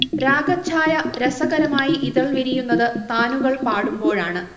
രാഗച്ഛായ രസകരമായി ഇതൾ വിരിയുന്നത് താനുകൾ പാടുമ്പോഴാണ്